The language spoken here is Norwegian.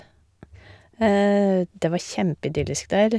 Det var kjempeidyllisk der.